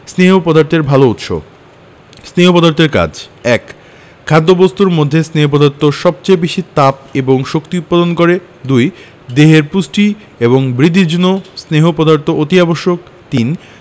স্নেহ পদার্থের ভালো উৎস স্নেহ পদার্থের কাজ ১. খাদ্যবস্তুর মধ্যে স্নেহ পদার্থ সবচেয়ে বেশী তাপ এবং শক্তি উৎপন্ন করে ২. দেহের পুষ্টি এবং বৃদ্ধির জন্য স্নেহ পদার্থ অতি আবশ্যক ৩.